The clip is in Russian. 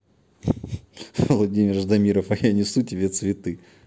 владимир ждамиров а я несу тебе цветы